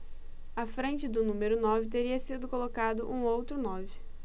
à frente do número nove teria sido colocado um outro nove